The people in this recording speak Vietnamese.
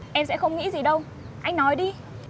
em sẽ không nghĩ gì đâu anh nói đi